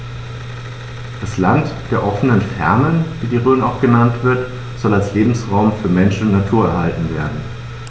Das „Land der offenen Fernen“, wie die Rhön auch genannt wird, soll als Lebensraum für Mensch und Natur erhalten werden.